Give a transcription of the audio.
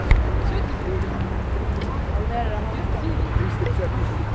hann lærir at handfara tað nú